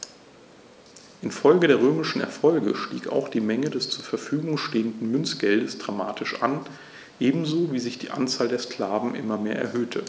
Infolge der römischen Erfolge stieg auch die Menge des zur Verfügung stehenden Münzgeldes dramatisch an, ebenso wie sich die Anzahl der Sklaven immer mehr erhöhte.